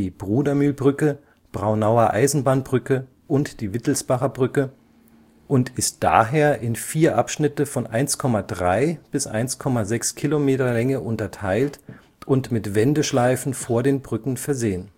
Brudermühlbrücke, Braunauer Eisenbahnbrücke, Wittelsbacher Brücke) und ist daher in vier Abschnitte von 1,3 bis 1,6 Kilometer Länge unterteilt und mit Wendeschleifen vor den Brücken versehen